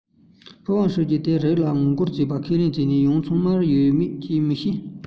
ཕམ པུའུ ཧྲི ཀྱི དེ རིགས ལ ངོ རྒོལ བྱེད པའི ཁས ལེན བྱས ན ཡང ཚང མ ལ ཡོད མེད ཀྱང མི ཤེས